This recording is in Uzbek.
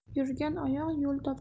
yurgan oyoq yo'l topar